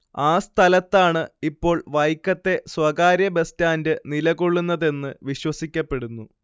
ആ സ്ഥലത്താണ് ഇപ്പോൾ വൈക്കത്തെ സ്വകാര്യ ബസ് സ്റ്റാന്റ് നിലകൊള്ളുന്നതെന്ന് വിശ്വസിക്കപ്പെടുന്നു